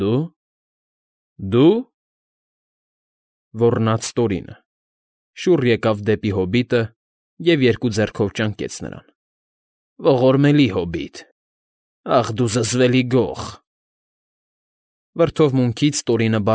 Դո՞ւ… Դո՞ւ…֊ ոռնաց Տորինը, շուռ եկավ դեպի հոբիտը և երկու ձեռքով ճանկեց նրան։֊ Ողորմելի հոբիտ… Ախ դու… զզվելի Գո՜ղ…֊ Վրդովմունքից Տորինը։